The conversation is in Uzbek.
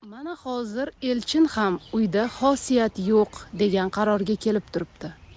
mana hozir elchin ham uyda xosiyat yo'q degan qarorga kelib turibdi